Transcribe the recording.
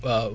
waaw